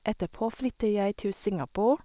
Etterpå flytte jeg til Singapore.